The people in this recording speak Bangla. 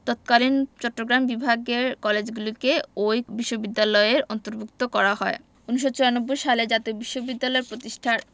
তৎকালীন চট্টগ্রাম বিভাগের কলেজগুলিকে ওই বিশ্ববিদ্যালয়ের অন্তর্ভুক্ত করা হয় ১৯৯৪ সালে জাতীয় বিশ্ববিদ্যালয় প্রতিষ্ঠার